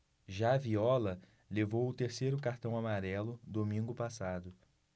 já viola levou o terceiro cartão amarelo domingo passado